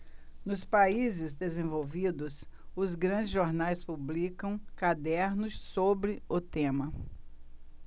nos países desenvolvidos os grandes jornais publicam cadernos sobre o tema